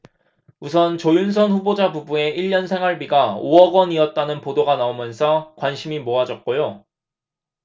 우선 조윤선 후보자 부부의 일 년 생활비가 오 억 원이었다는 보도가 나오면서 관심이 모아졌고요